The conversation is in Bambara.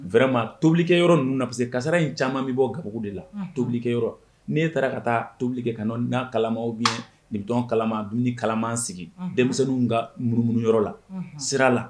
Vraiment tobilikɛ yɔrɔ ninnu na parce que kasara in caman bɛ bɔ gabugu de la unhun tobilikɛ yɔrɔ n'e taara ka taa tobilikɛ ka n'o na kalaman ou bien lipton kalaman dumuni kalaman sigi unhun denmisɛnninw ka munumunu yɔrɔ la unhun sira la